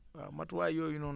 waaw matuwaay yooyu noonu